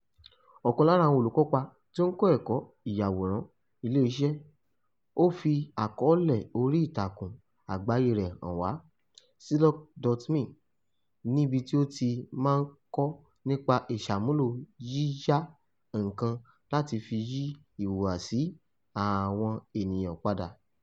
Ọ̀kan lára àwọn olùkópa ń kọ́ ẹ̀kọ́ ìyàwòrán ilé iṣẹ́, ó sì fi àkọ́ọ́lẹ̀ orí ìtàkùn àgbáyé rẹ̀ hàn wá, Selouk.me, níbi tí ó ti máa ń kọ nípa ìsàmúlò yíyà nǹkan láti fi yí ìhùwàsí àwọn ènìyàn padà.